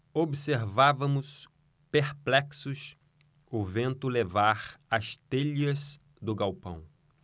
observávamos perplexos o vento levar as telhas do galpão